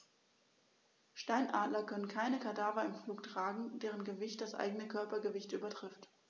Steinadler können keine Kadaver im Flug tragen, deren Gewicht das eigene Körpergewicht übertrifft.